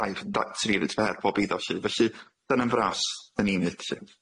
dair da- tri ryd fer pob iddo lly felly dyna'm fras dyn ni'n neud lly.